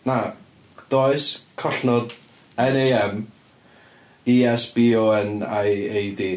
Na, does collnod NAMESBONIAD.